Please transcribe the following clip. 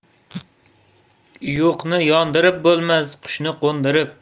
yo'qni yo'ndirib bo'lmas qushni qo'ndirib